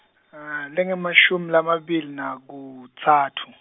lengamashumi lamabili nakutsatfu.